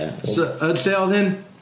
So yn lle oedd hyn?